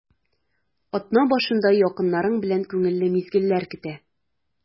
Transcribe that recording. Атна башында якыннарың белән күңелле мизгелләр көтә.